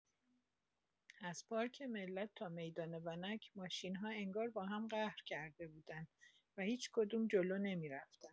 از پارک ملت تا میدان ونک، ماشین‌ها انگار با هم قهر کرده بودن و هیچ‌کدوم جلو نمی‌رفتن.